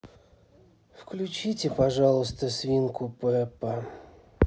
включите пожалуйста свинку пеппа